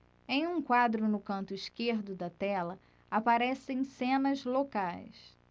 em um quadro no canto esquerdo da tela aparecem cenas locais